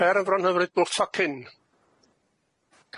Papur yn fron hyfryd bwlch tocyn.